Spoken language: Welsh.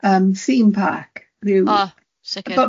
yym thim parc ryw... O sicr..